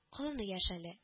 Колыны яшь әле